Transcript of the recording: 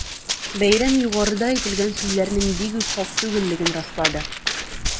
Бәйрәм югарыда әйтелгән сүзләрнең бигүк хак түгеллеген раслады.